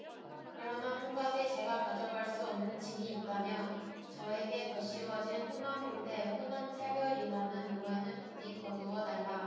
그러나 한 가지 제가 가져갈 수 없는 짐이 있다며 저에게 덧씌워진 호남홀대 호남차별이라는 오해는 부디 거두어 달라